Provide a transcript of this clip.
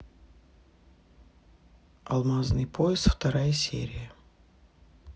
алмазный пояс вторая серия